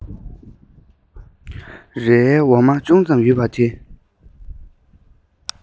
རའི འོ མ ཅུང ཙམ ཡོད པ དེ